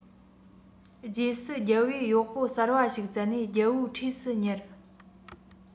རྗེས སུ རྒྱལ པོས གཡོག པོ གསར པ ཞིག བཙལ ནས རྒྱལ པོའི འཁྲིས སུ ཉར